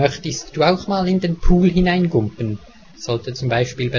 Möchtist du auch mal in den Pool hineingumpen? " sollte zum Beispiel